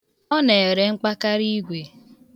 Ọ na-ere mkpakariigwe.